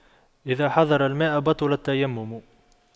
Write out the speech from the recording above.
إذا حضر الماء بطل التيمم